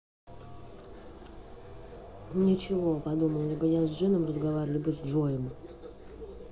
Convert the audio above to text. ничего подумал либо я с джином разговариваю либо с джоем